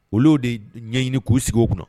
Olu de ɲɛɲini k'u sigi kɔnɔ